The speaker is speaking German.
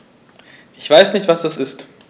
Ich weiß nicht, was das ist.